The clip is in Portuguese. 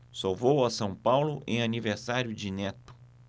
só vou a são paulo em aniversário de neto